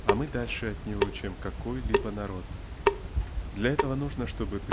А мы дальше от него, чем какой-либо народ. Для этого нужно чтобы